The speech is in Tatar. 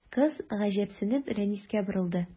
Кыз, гаҗәпсенеп, Рәнискә борылды.